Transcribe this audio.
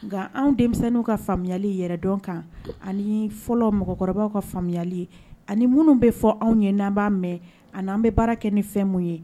Nga anw denmisɛnninw ka faamuyali yɛrɛdɔn kan unhun anii fɔlɔ mɔgɔkɔrɔbaw ka faamuyali ye ani minnu be fɔ anw ye n'an b'a mɛ ani'an be baara kɛ ni fɛn min ye